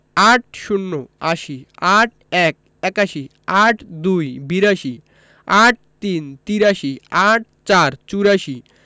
৮০ আশি ৮১ একাশি ৮২ বিরাশি ৮৩ তিরাশি ৮৪ চুরাশি